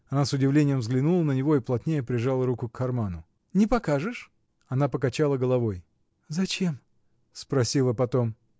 Она с удивлением взглянула на него и плотнее прижала руку к карману. — Не покажешь? Она покачала головой. — Зачем? — спросила потом.